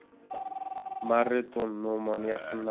ma'rretun no'mon yaqinida portlamay